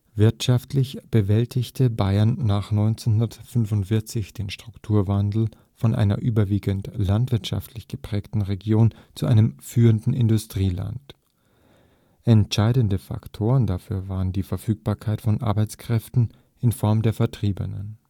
Wirtschaftlich bewältigte Bayern nach 1945 den Strukturwandel von einer überwiegend landwirtschaftlich geprägten Region zu einem führenden Industrieland. Entscheidende Faktoren dafür waren die Verfügbarkeit von Arbeitskräften in Form der Vertriebenen